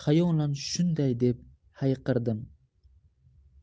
xayolan shunday deb hayqirdim